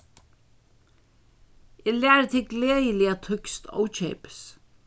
eg læri teg gleðiliga týskt ókeypis